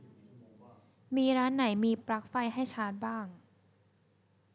มีร้านไหนมีปลั๊กไฟให้ชาร์จบ้าง